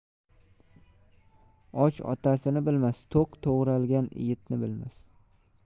och otasini bilmas to'q to'g'ralgan etni yemas